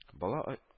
Бала, а